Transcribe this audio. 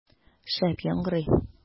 Шәп яңгырый!